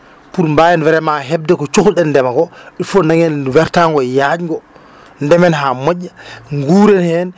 pour mbawen vraiment hebde ko cohluɗen ndeema ko il faut dañen wertago yajgo ndeemen ha moƴƴa guuren hen